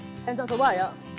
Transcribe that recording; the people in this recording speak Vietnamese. em chọn số bảy ạ